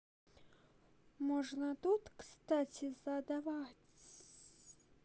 можно тут кстати задавать